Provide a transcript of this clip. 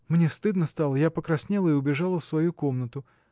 Мне стыдно стало, я покраснела и убежала в свою комнату.